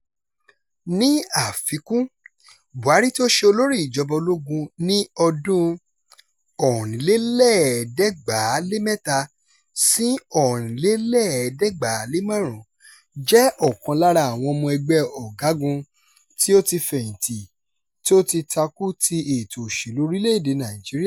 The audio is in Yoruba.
Ní àfikún, Buhari tí ó ṣe olórí ìjọba ológun ní ọdún (1983 sí 1985) jẹ́ ọ̀kan lára àwọn ọmọ ẹgbẹ́' ọ̀gágun tí ó ti fẹ̀yìntì tí ó ti takú ti ètò òṣèlú orílẹ̀-èdè Nàìjíríà.